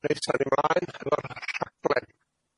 Reit, awn ni mlaen hefo'r rhaglen.